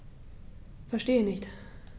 Verstehe nicht.